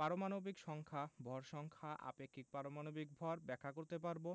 পারমাণবিক সংখ্যা ভর সংখ্যা আপেক্ষিক পারমাণবিক ভর ব্যাখ্যা করতে পারব